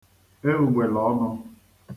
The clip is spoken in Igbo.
eugbèlè ọnụ